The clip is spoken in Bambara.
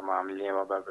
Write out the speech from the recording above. Anma' fɛ